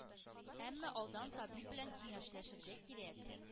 Әмма алдан табиб белән киңәшләшергә кирәк.